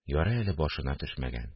Ярый әле башына төшмәгән